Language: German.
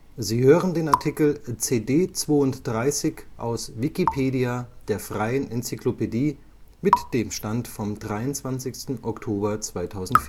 Sie hören den Artikel CD³², aus Wikipedia, der freien Enzyklopädie. Mit dem Stand vom Der